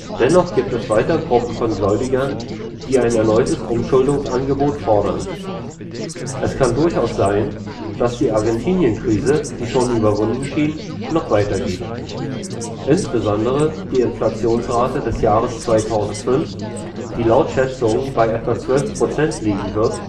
Dennoch gibt es weiter Gruppen von Gläubigern, die ein erneutes Umschuldungsangebot fordern. Es kann durchaus sein, dass die Argentinien-Krise, die schon überwunden schien, noch weiter geht. Insbesondere die Inflationsrate des Jahres 2005, die laut Schätzungen bei etwa 12 % liegen wird